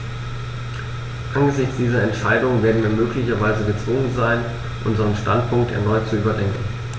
Angesichts dieser Entscheidung werden wir möglicherweise gezwungen sein, unseren Standpunkt erneut zu überdenken.